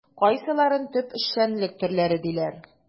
Кайсыларын төп эшчәнлек төрләре диләр?